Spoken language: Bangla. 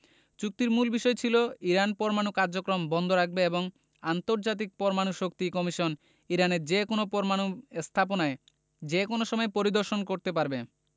চুক্তির মূল বিষয় ছিল ইরান পরমাণু কার্যক্রম বন্ধ রাখবে এবং আন্তর্জাতিক পরমাণু শক্তি কমিশন ইরানের যেকোনো পরমাণু স্থাপনায় যেকোনো সময় পরিদর্শন করতে পারবে